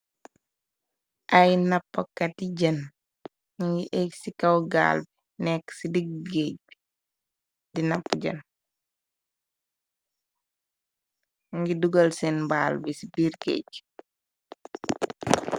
Ay nappakat yi jën nungi éj ci kaw gaal bi nekk ci diggéej bi di napp jën ,nu ngi dugal seen mbaal bi ci biir géeji.